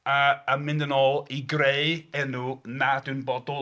..a... a mynd yn ôl i greu enw nad yw'n bodoli.